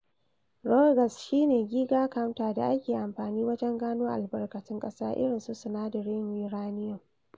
Rogers: "Shi ne Geiger Counter, da ake amfani wajen gano albarkatun ƙasa, irin su sinadaran uranium.